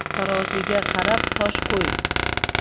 taroziga qarab tosh qo'y